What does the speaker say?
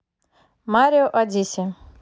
марио одиси